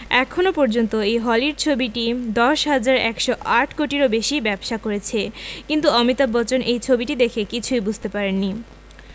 এখনও পর্যন্ত এই হলিউড ছবিটি ১০১০৮ কোটিরও বেশি ব্যবসা করেছে কিন্তু অমিতাভ বচ্চন এই ছবিটি দেখে কিছুই বুঝতে পারেননি